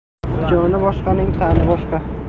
joni boshqaning tani boshqa